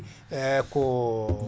koo